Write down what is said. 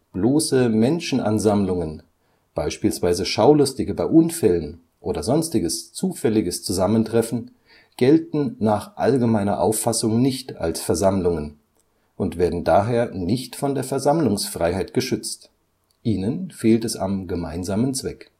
Bloße Menschenansammlungen, beispielsweise Schaulustige bei Unfällen oder sonstiges zufälliges Zusammentreffen, gelten nach allgemeiner Auffassung nicht als Versammlungen und werden daher nicht von der Versammlungsfreiheit geschützt. Ihnen fehlt es am gemeinsamen Zweck